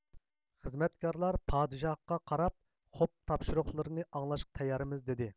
خىزمەتكارلار پادىشاھقا قاراپ خوپ تاپشۇرۇقلىرىنى ئاڭلاشقا تەييارمىز دىدى